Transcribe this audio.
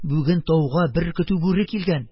Бүген тауга бер көтү бүре килгән.